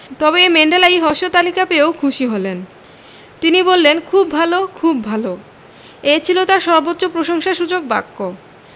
তবে ম্যান্ডেলা এই হ্রস্ব তালিকা পেয়েও খুশি হলেন তিনি বললেন খুব ভালো খুব ভালো এ ছিল তাঁর সর্বোচ্চ প্রশংসাসূচক বাক্য